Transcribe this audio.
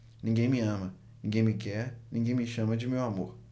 ninguém me ama ninguém me quer ninguém me chama de meu amor